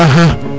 axa